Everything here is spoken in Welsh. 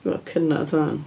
Wel cynnau tan.